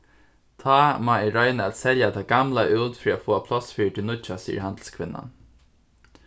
tá má eg royna at selja tað gamla út fyri at fáa pláss fyri tí nýggja sigur handilskvinnan